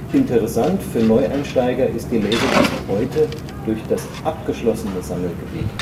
Interessant für Neueinsteiger ist die Laserdisc heute durch das „ abgeschlossene “Sammelgebiet